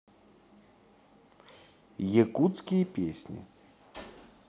якутские песни